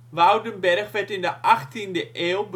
Woudenberg werd in de achttiende eeuw